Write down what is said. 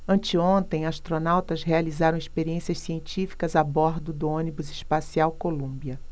anteontem astronautas realizaram experiências científicas a bordo do ônibus espacial columbia